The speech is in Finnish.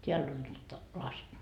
täällä on nyt lasi